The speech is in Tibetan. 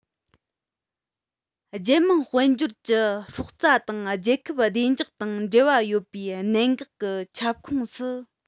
རྒྱལ དམངས དཔལ འབྱོར གྱི སྲོག རྩ དང རྒྱལ ཁབ བདེ འཇགས དང འབྲེལ བ ཡོད པའི གནད འགག གི ཁྱབ ཁོངས སུ